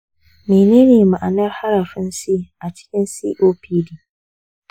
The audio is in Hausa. menene ma'anar harafin c a cikin copd?